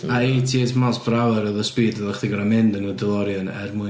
A eighty eight miles per hour oedd y speed oeddech chdi'n gorfod mynd yn y Delorian er mwyn...